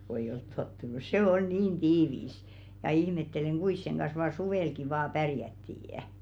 kun ei ole tottunut se oli niin tiivis ja ihmettelen kuinka sen kanssa vain suvellakin vain pärjättiin